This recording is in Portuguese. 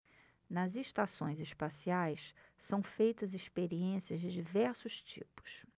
nas estações espaciais são feitas experiências de diversos tipos